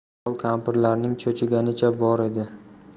chol kampirlarning cho'chiganicha bor edi